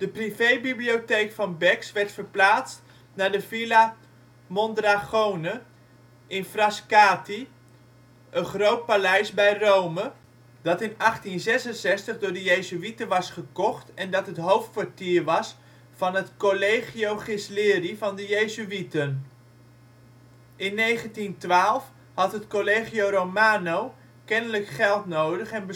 privébibliotheek van Beckx werd verplaatst naar de Villa Mondragone in Frascati, een groot paleis bij Rome, dat in 1866 door de jezuïeten was gekocht en dat het hoofdkwartier was van het Collegio Ghisleri van de jezuïeten. In 1912 had het Collegio Romano kennelijk geld nodig en